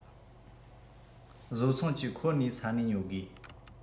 བཟོ ཚོང ཅུས ཁོ ནའི ས ནས ཉོ དགོས